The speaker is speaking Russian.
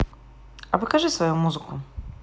а покажи свою музыку